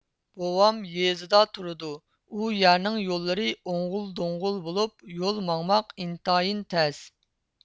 بوۋام يېزىدا تۇرىدۇ ئۇ يەرنىڭ يوللىرى ئوڭغۇل دوڭغۇل بولۇپ يول ماڭماق ئىنتايىن تەس